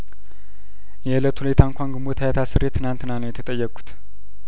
የእለት ሁኔታ እንኳ ግንቦት ሀያታስሬ ትናንትና ነው የተጠየኩት